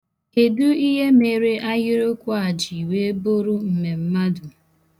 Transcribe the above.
Kedu ihe mere ahịrịokwu a ji wee bụrụ mmemmadu?